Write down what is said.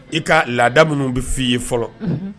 I ka laada minnu bɛ fɔ i ye fɔlɔ